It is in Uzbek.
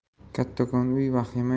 kattakon uy vahima